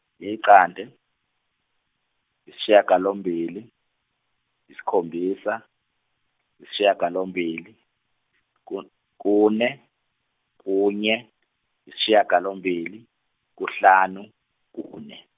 iqanda isishagalombili isikhombisa isishagalombili kun- kune kunye isishagalalombili kuhlanu kune.